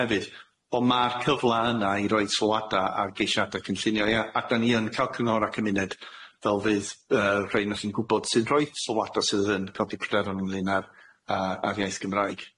hefyd, on' ma'r cyfla yna i roid sylwada ar geisiada cynllunio ia ac dan ni yn ca'l cynghora' cymuned fel fydd yy rhein os yn gwbod sy'n rhoi sylwada sydd yn codi pryderon ynglyn ar a ar iaith Gymraeg.